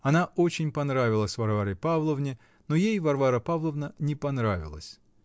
она очень понравилась Варваре Павловне, но ей Варвара Павловна не понравилась.